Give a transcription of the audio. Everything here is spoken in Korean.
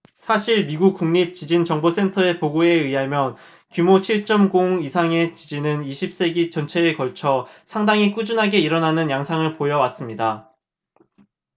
사실 미국 국립 지진 정보 센터의 보고에 의하면 규모 칠 쩜 공 이상의 지진은 이십 세기 전체에 걸쳐 상당히 꾸준하게 일어나는 양상을 보여 왔습니다